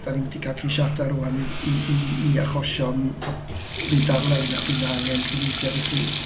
Dan ni mynd i gael ceisiadau rŵan i i i achosion a fynd ar-lein a bydd angen cyfieithu ar y pryd.